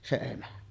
se emä